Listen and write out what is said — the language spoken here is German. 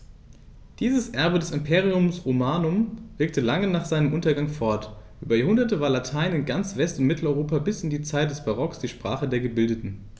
Dieses Erbe des Imperium Romanum wirkte lange nach seinem Untergang fort: Über Jahrhunderte war Latein in ganz West- und Mitteleuropa bis in die Zeit des Barock die Sprache der Gebildeten.